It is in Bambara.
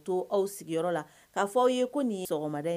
To aw sigiyɔrɔ la k'a fɔ aw ye ko nin ye sɔgɔmaden ye